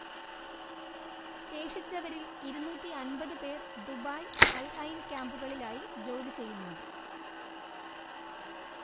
ശേഷിച്ചവരിൽ ഇരുനൂറ്റി അൻപതു പേർ ദുബായ്, അൽഐൻ ക്യാംപുകളിലായി ജോലി ചെയ്യുന്നുണ്ട്